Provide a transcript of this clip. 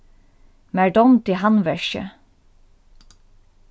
mær dámdi handverkið